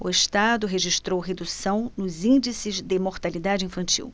o estado registrou redução nos índices de mortalidade infantil